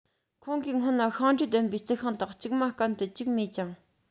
ཁོང གིས སྔོན ལ ཤིང འབྲས ལྡན པའི རྩི ཤིང དང ལྕུག མ སྐམ དུ བཅུག མེད ཅིང